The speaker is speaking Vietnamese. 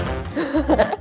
say rồi